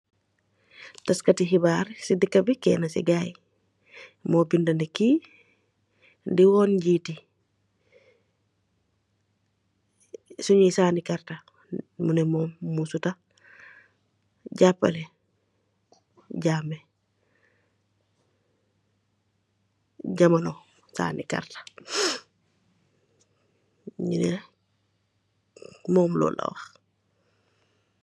Taskati hibaar si deka bi kena si gaayi mo binda neh kii diwon njiti si nyi sani karta muneh mom musuta japaleh jammeh jamano sani karta nyuneh mom lol la wakh